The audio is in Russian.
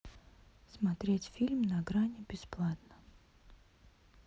смотреть фильм на грани бесплатно